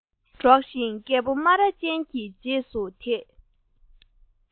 སྒྲོག བཞིན རྒད པོ སྨ ར ཅན གྱི རྗེས སུ དེད